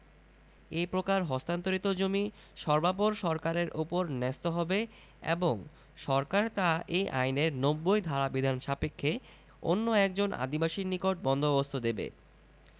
এ প্রকার হস্তান্তরিত জমি সর্বাপর সরকারের ওপর ন্যস্ত হবে এবং সরকার তা এ আইনের ৯০ ধারারবিধান সাপেক্ষে অন্য একজন আদিবাসীর নিকট বন্দোবস্ত দেবে